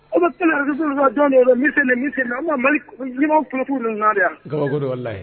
Aw bɛ jɔn bɛ mi ni mali ɲumanw fana' naa